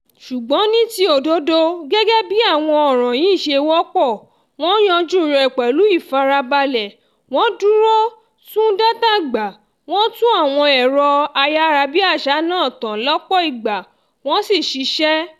Ṣùgbọ́n ní ti òdodo, gẹ́gẹ́ bí àwọn ọ̀ràn yìí ṣe wọ́pọ̀, wọ́n yanjú rẹ̀ pẹ̀lú ìfarabalẹ̀, wọ́n dúró, tún dátà gbà, wọ́n tún àwọn ẹ̀rọ ayárabíàsá náà tàn lọ́pọ̀ ìgbà, wọ́n sì ṣiṣẹ́.